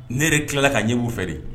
Nere tilala ka ɲɛ b' fɛ de